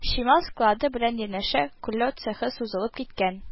Чимал склады белән янәшә көлләү цехы сузылып киткән